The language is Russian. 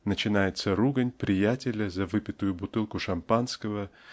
начинается ругань приятеля за выпитую бутылку шампанского